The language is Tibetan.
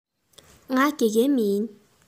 ང དགེ རྒན མིན